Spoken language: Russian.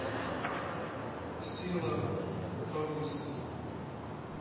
сейлор мун второй сезон